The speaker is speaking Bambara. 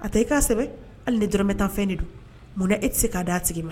A tɛ i' sɛ hali ni dɔrɔmɛ tan fɛn de don munna e tɛ se'a d da a sigi ma